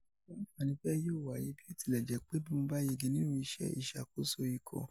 Irú àǹfààní bẹ́ẹ̀ yóò wáyé, bí ó tilẹ̀ jẹ́ pé, bí mo bá yegé nínú iṣẹ́ ìṣàkóso ikọ̀ ’’